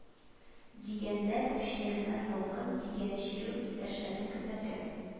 Дигәндә күпчелегенә салкын тигән чирү, иптәшләрен көтәргә